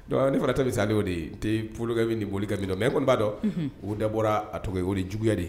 Dɔnku ni fana tɛ ni sale o de ye porokɛ bɛ ni boli kɛ dɔn mɛ kɔniba dɔn o de bɔra a tɔgɔ o juguya de ye